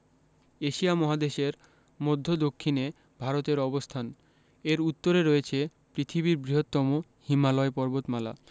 Asia মহাদেশের মদ্ধ্য দক্ষিনে ভারতের অবস্থানএর উত্তরে রয়েছে পৃথিবীর বৃহত্তম হিমালয় পর্বতমালা